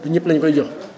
du ñëpp la ñu koy jox